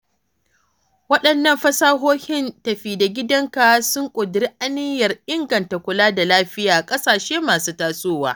Waɗannan fasahohin tafi da gidanka sun ƙudiri aniyar inganta kula da lafiya a ƙasashe masu tasowa.